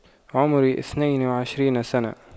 عمري اثنين وعشرين سنة